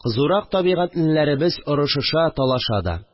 Кызурак табигатьлеләремез орышыша, талаша да